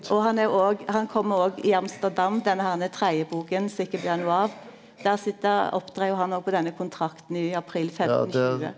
og han er òg han kjem òg i Amsterdam denne herne tredje boka som ikkje blir noko av der sit opptrer jo han òg på denne kontrakten i april femtentjue.